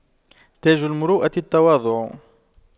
تاج المروءة التواضع